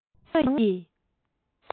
འཚོ བ དངོས ཀྱི